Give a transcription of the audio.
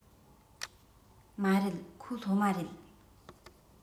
མ རེད ཁོ སློབ མ རེད